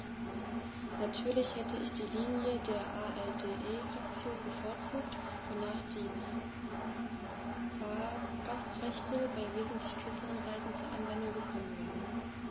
Natürlich hätte ich die Linie der ALDE-Fraktion bevorzugt, wonach die Fahrgastrechte bei wesentlich kürzeren Reisen zur Anwendung gekommen wären.